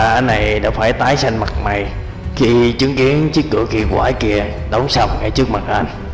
và anh này đã phải tái xanh mặt mày khi chứng kiến chiếc cửa kỳ quái kia đóng sập ngay trước mặt anh